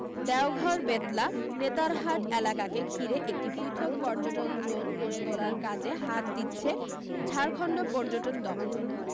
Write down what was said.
দেওঘর বেতলা নেতারহাট এলাকাকে ঘিরে একটি পৃথক পর্যটন জোন গড়ে তোলার কাজে হাত দিচ্ছে ঝাড়খণ্ড পর্যটন দফতর